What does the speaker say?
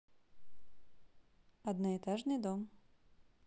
одноэтажный дом